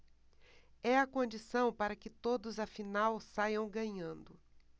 é a condição para que todos afinal saiam ganhando